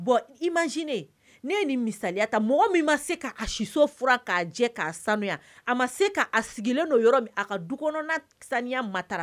I manen ne ye nin misaya ta mɔgɔ min ma se k'a siso k'a jɛ k'a sanu a ma se k'a sigilen yɔrɔ min a ka du kɔnɔna saniya ma taara